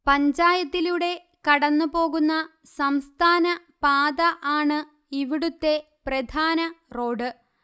പഞ്ചായത്തിലൂടെ കടന്നുപോകുന്ന സംസ്ഥാനപാത ആണ് ഇവിടുത്തെ പ്രധാന റോഡ്